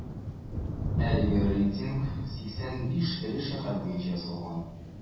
Әлеге рейтинг 85 эре шәһәр буенча ясалган.